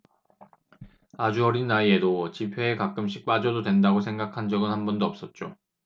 아주 어린 나이에도 집회에 가끔씩 빠져도 된다고 생각한 적은 한 번도 없었죠